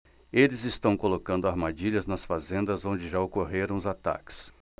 eles estão colocando armadilhas nas fazendas onde já ocorreram os ataques